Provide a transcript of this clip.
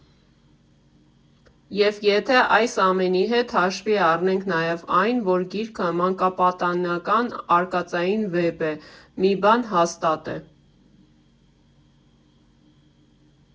Եվ եթե այս ամենի հետ հաշվի առնենք նաև այն, որ գիրքը մանկապատանեկան արկածային վեպ է, մի բան հաստատ է.